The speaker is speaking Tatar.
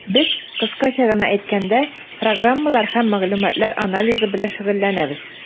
Без, кыскача гына әйткәндә, программалар һәм мәгълүматлар анализы белән шөгыльләнәбез.